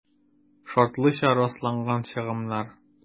«шартлыча расланган чыгымнар»